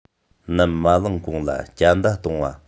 ནམ མ ལངས གོང ལ སྐྱ མདའ གཏོང བ